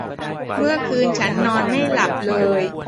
เมื่อคืนฉันนอนไม่หลับเลย